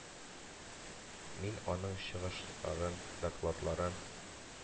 Мин аның чыгышларын, докладларын,